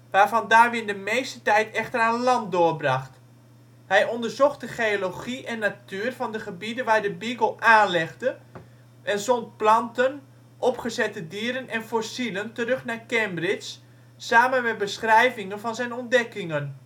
waarvan Darwin de meeste tijd echter aan land doorbracht. Hij onderzocht de geologie en natuur van de gebieden waar de Beagle aanlegde en zond planten, opgezette dieren en fossielen terug naar Cambridge, samen met beschrijvingen van zijn ontdekkingen